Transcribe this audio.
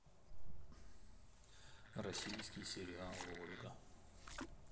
российский сериал ольга